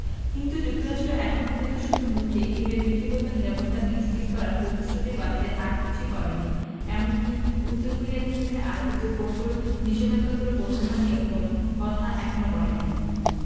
কিন্তু যুক্তরাষ্ট্র এখন পর্যন্ত শুধু মুখে কিমের ব্যক্তিগত নিরাপত্তা নিশ্চিত করার প্রতিশ্রুতির বাইরে আর কিছুই করেনি এমনকি উত্তর কোরিয়ার বিরুদ্ধে আরোপিত কঠোর নিষেধাজ্ঞাগুলো প্রত্যাহার নিয়েও কোনো কথা এখনো বলেনি